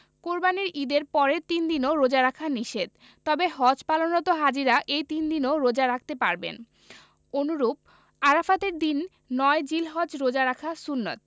কোরবানির ঈদের পরের তিন দিনও রোজা রাখা নিষেধ তবে হজ পালনরত হাজিরা এই তিন দিনও রোজা রাখতে পারবেন অনুরূপ আরাফাতের দিন ৯ জিলহজ রোজা রাখা সুন্নাত